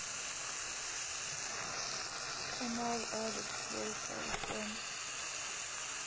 канал алекс бойко айфон